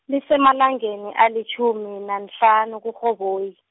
lisemalangeni alitjhumi nanhlanu, kuRhoboyi.